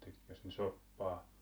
tekikös ne soppaa